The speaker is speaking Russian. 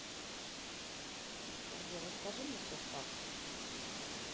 сбер расскажи мне свой статус